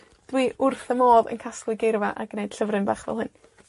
Dwi wrth fy modd yn casglu geirfa a gneud llyfryn bach fel hyn.